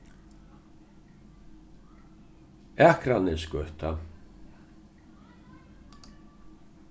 akranesgøta